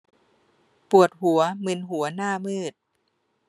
ปวดหัวมึนหัวหน้ามืด